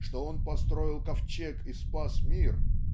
что он построил ковчег и спас мир".